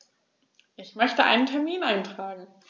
Ich möchte einen Termin eintragen.